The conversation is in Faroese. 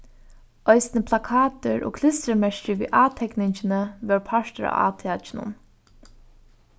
eisini plakatir og klistrimerki við átekningini vóru partur av átakinum